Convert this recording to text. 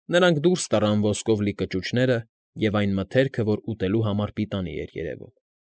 Նրանք դուրս տարան ոսկով լի կճուճները և այն մթերքը, որ ուտելու համար պիտանի էր երևում։